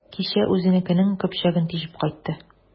Кичә үзенекенең көпчәген тишеп кайтты.